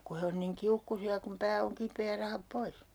kun he on niin kiukkuisia kun pää on kipeä ja rahat pois